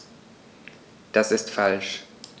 Das ist falsch.